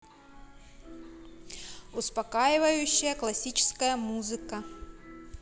успокаивающая классическая музыка